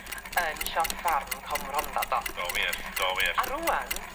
yn siop ffarm Cwm Rhondda da? Do wir do wir. A rŵan